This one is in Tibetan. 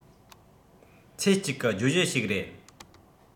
ཚེ གཅིག གི བརྗོད གཞི ཞིག རེད